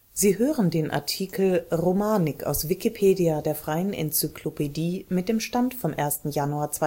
Sie hören den Artikel Romanik, aus Wikipedia, der freien Enzyklopädie. Mit dem Stand vom Der Inhalt